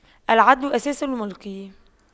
العدل أساس الْمُلْك